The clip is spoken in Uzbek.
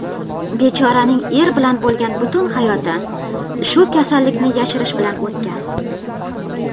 bechoraning er bilan bo'lgan butun hayoti shu kasallikni yashirish bilan o'tgan